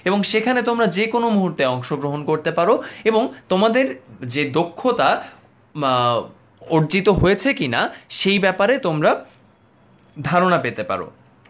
এবং সেখানে তোমরা যে কোন মুহূর্তে অংশগ্রহণ করতে পারো এবং তোমাদের যে দক্ষতা অর্জিত হয়েছে কিনা সে ব্যাপারে তোমরা ধারণা পেতে পারো